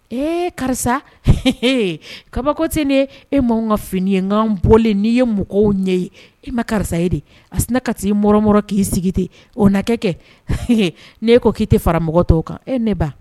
Ee karisa kabako tɛ ne e m maanw ka fini ye nkan bolilen n'i ye mɔgɔw ɲɛ ye e ma karisa ye de a sina ka' i mɔrɔ k'i sigi ten o na kɛ kɛ'e ko k'i tɛ fara mɔgɔ tɔw kan e ne ba